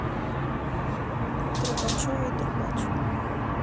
трубачева и трубач